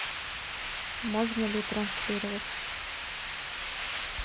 можно ли транслировать